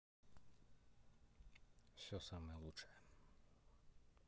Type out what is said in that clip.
все самое лучшее